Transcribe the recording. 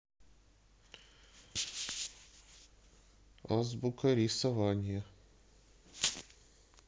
азбука рисования